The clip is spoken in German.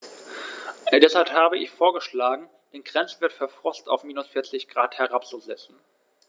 Deshalb habe ich vorgeschlagen, den Grenzwert für Frost auf -40 ºC herabzusetzen.